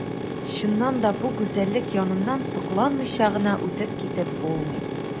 Чыннан да бу гүзәллек яныннан сокланмыйча гына үтеп китеп булмый.